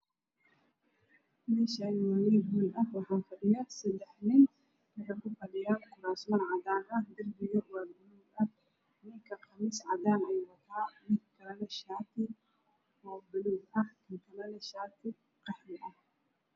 Meeshaan waa meel hool ah waxaa fadhiyo seddex nin waxay kufadhiyaan kuraas cadaan ah. Darbiguna waa buluug. Nin waxuu wataa qamiis cadaan ah kan kalana shaati buluug ah kan kalana shaati qaxwi ah.